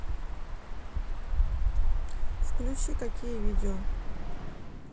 включи какие видео